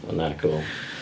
Ond 'na cwl. .